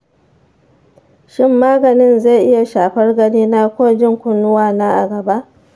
shin maganin zai iya shafar ganina ko jin kunnuwana a gaba?